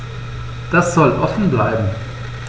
Das soll offen bleiben.